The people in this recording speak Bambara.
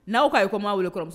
N awaw ka ye ko maa' weele kɔrɔ